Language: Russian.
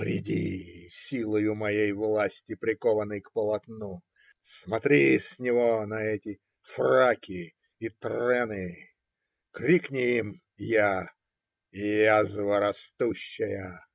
Приди, силою моей власти прикованный к полотну, смотри с него на эти фраки и трэны, крикни им я - язва растущая!